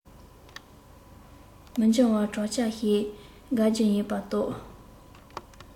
མི འགྱང བར དྲག ཆར ཞིག དབབ རྒྱུ ཡིན པ རྟོགས